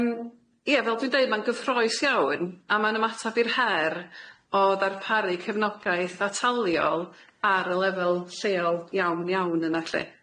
Yym ie fel dwi'n deud ma'n gyffrous iawn a ma'n ymatab i'r her o ddarparu cefnogaeth ataliol ar y lefel lleol iawn iawn yna lly.